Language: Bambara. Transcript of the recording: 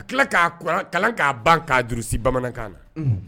Ka kila kalan ka ban ka durusi bamanankan na.